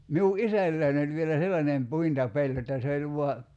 minun isälläni oli vielä sellainen puintipeli jotta se oli vain